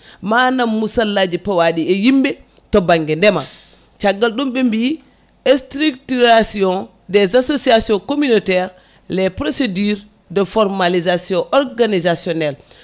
manam musallaji pawaɗi e yimɓe to banggue ndeema caggal ɗum ɓe mbi structuration des associations communautaire les procédure de formalistion organisationnel